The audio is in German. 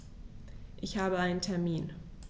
Ich habe einen Termin.